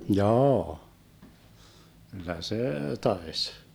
jaa kyllä se taisi